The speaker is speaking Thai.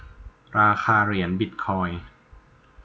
ราคาเหรียญบิทคอยน์